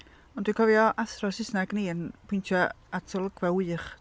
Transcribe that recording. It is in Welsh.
Ond dwi'n cofio athro Saesneg ni yn pwyntio at olygfa wych...